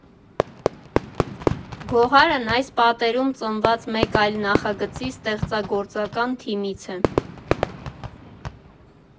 Գոհարն այս պատերում ծնված մեկ այլ նախագծի ստեղծագործական թիմից է։